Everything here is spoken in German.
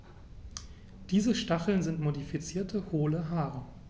Diese Stacheln sind modifizierte, hohle Haare.